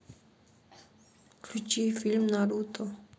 включи фильм наруто